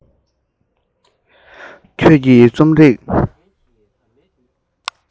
ཁྱོད ཀྱིས རྩོམ ཡིག